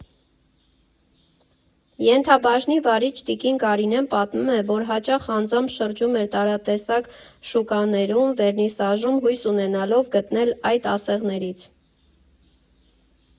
Ենթաբաժնի վարիչ տիկին Կարինեն պատմում է, որ հաճախ անձամբ շրջում էր տարատեսակ շուկաներում, Վերնիսաժում՝ հույս ունենալով գտնել այդ ասեղներից։